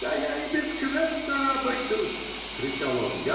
-- Да я и без квестора обойдусь! -- вскричал он.